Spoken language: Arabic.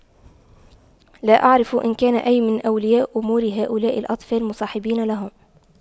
لا أعرف إن كان أي من أولياء أمور هؤلاء الأطفال مصاحبين لهم